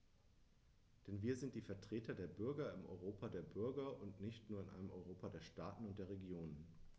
Denn wir sind die Vertreter der Bürger im Europa der Bürger und nicht nur in einem Europa der Staaten und der Regionen.